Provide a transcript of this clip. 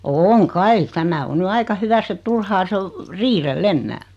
on kai tämä on nyt aika hyvässä että turhaa se on riidellä enää